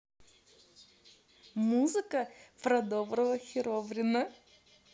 музыка про доброго херобрина